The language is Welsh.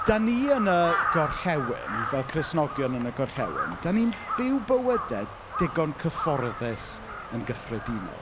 Dan ni yn y Gorllewin, fel Cristnogion yn y Gorllewin, dan ni'n byw bywyde digon cyfforddus yn gyffredinol.